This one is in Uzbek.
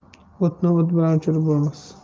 o'tni o't bilan o'chirib bo'lmas